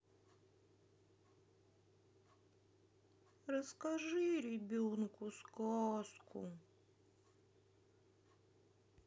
расскажи ребенку сказку